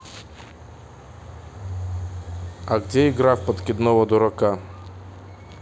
а где игра в подкидного дурака